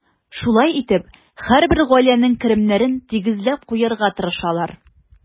Шулай итеп, һәрбер гаиләнең керемнәрен тигезләп куярга тырышалар.